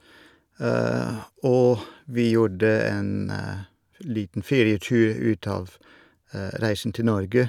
Og vi gjorde en f liten ferietur ut av reisen til Norge.